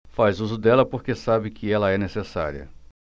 faz uso dela porque sabe que ela é necessária